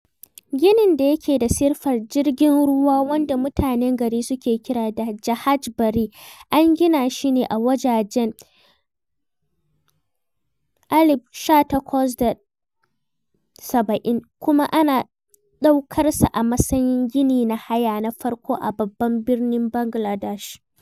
Ginin da yake da sifar jirgin ruwa wanda mutanen gari suke kira da "Jahaj Bari" an gina shi ne a wajejen 1870 kuma ana ɗaukarsa a matsayin gini na haya na farko a babban birnin Bangaladesh.